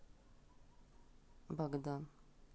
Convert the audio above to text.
богдан